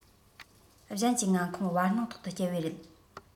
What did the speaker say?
གཞན གྱི མངའ ཁོངས བར སྣང ཐོག ཏུ བསྐྱལ བའི རེད